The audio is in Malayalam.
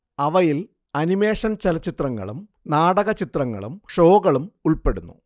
അവയിൽ അനിമേഷൻ ചലച്ചിത്രങ്ങളും നാടക ചിത്രങ്ങളും ഷോകളും ഉൽപ്പെടുന്നു